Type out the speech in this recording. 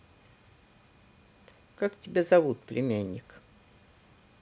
как тебя зовут племянник